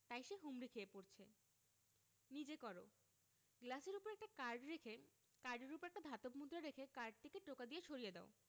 তাই সে হুমড়ি খেয়ে পড়ছে নিজে কর গ্লাসের উপর একটা কার্ড রেখে কার্ডের উপর একটা ধাতব মুদ্রা রেখে কার্ডটিকে টোকা দিয়ে সরিয়ে দাও